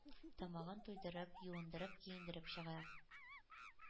Тамагын туйдырып, юындырып-киендереп чыга.